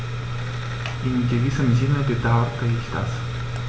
In gewissem Sinne bedauere ich das.